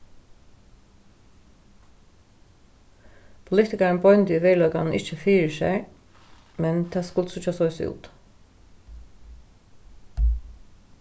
politikarin beindi í veruleikanum ikki fyri sær men tað skuldi síggja soleiðis út